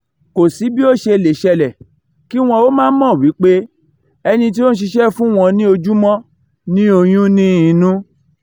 Kò sí bí ó ṣe lè ṣẹlẹ̀ kí wọn ó máà mọ̀ wípé ẹni tí ó ń ṣiṣẹ́ fún wọn ní ojúmọ́ ní oyún ní inú.